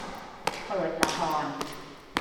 เปิดละคร